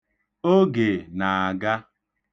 Oge na-aga.